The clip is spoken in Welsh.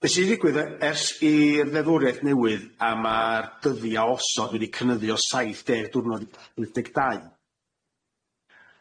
Be' sy'n ddigwydd yy ers i'r ddeddwriaeth newydd a ma'r dyddi a osod wedi cynyddio saith de'r diwrnod wyth deg dau?